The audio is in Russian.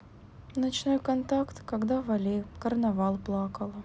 ночной контакт когда вали карнавал плакала